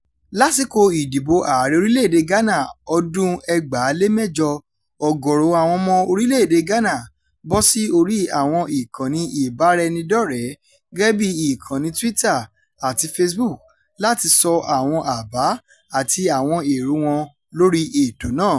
Lásìkò ìdìbò Ààrẹ orílẹ̀-èdè Ghana ọdún 2008,ọ̀gọ̀ọ̀rọ̀ àwọn ọmọ orílẹ̀ èdè Ghana bọ́ sí orí àwọn ìkànnì ìbáraẹnidọ́rẹ̀ẹ́ gẹ́gẹ́ bí ìkànnì Twitter àti Facebook láti sọ àwọn àbá àti àwọn èrò wọn lórí ètò náà.